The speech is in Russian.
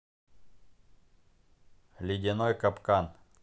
ледяной капкан